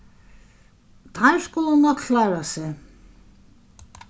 teir skulu nokk klára seg